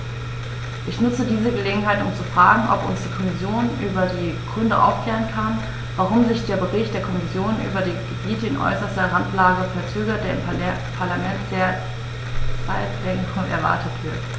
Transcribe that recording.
Ich nutze diese Gelegenheit, um zu fragen, ob uns die Kommission über die Gründe aufklären kann, warum sich der Bericht der Kommission über die Gebiete in äußerster Randlage verzögert, der im Parlament seit längerem erwartet wird.